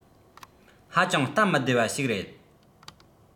ཧ ཅང སྟབས མི བདེ བ ཞིག རེད